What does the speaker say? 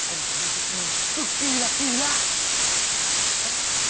anh có một giấc mơ cực kỳ là kỳ lạ trong đó có tất cả mọi người